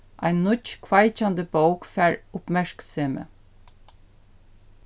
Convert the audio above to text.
ein nýggj kveikjandi bók fær uppmerksemi